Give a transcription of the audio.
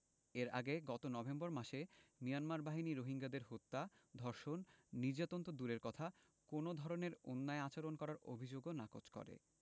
এর আগে গত নভেম্বর মাসে মিয়ানমার বাহিনী রোহিঙ্গাদের হত্যা ধর্ষণ নির্যাতন তো দূরের কথা কোনো ধরনের অন্যায় আচরণ করার অভিযোগও নাকচ করে